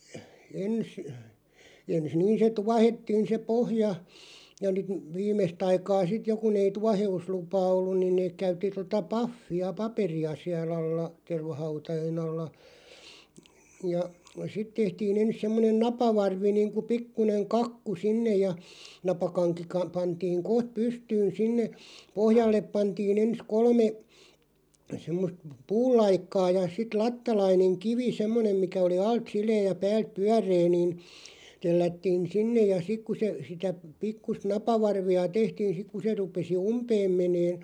ensin ensin niin se tuohettiin se pohja ja nyt viimeistä aikaa sitten jo kun ei tuoheuslupaa ollut niin ne käytti tuota pahvia paperia siellä alla tervahautojen alla ja sitten tehtiin ensin semmoinen napavarvi niin kuin pikkuinen kakku sinne ja napakanki - pantiin kohta pystyyn sinne pohjalle pantiin ensin kolme semmoista puulaikkaa ja sitten lattalainen kivi semmoinen mikä oli alta sileä ja päältä pyöreä niin tellättiin sinne ja sitten kun se sitä pikkuista napavarvia tehtiin sinne kun se rupesi umpeen menemään